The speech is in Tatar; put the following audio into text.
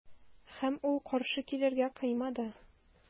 Һәм ул каршы килергә кыймады.